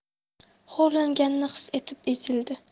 xo'rlanganini his etib ezildi